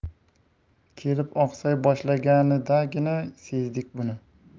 kelib oqsay boshlaganidagina sezdik buni